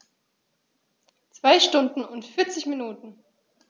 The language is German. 2 Stunden und 40 Minuten